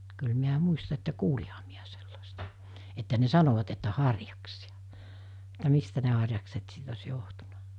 kyllä minä muistan että kuulinhan minä sellaista että ne sanoivat että harjaksia että mistä ne harjakset sitten olisi johtunut